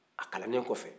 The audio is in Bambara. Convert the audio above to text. a kalanne kɔfɛ